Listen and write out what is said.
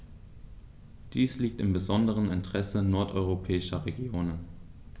Dies liegt im besonderen Interesse nordeuropäischer Regionen.